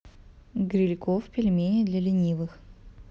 грильков пельмени для ленивых